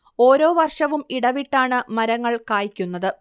ഓരോ വർഷവും ഇടവിട്ടാണ് മരങ്ങൾ കായ്ക്കുന്നത്